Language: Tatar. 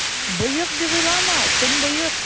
Боек, дип уйлама, төнбоек!